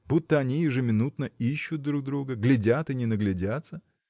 будто они ежеминутно ищут друг друга, глядят и не наглядятся?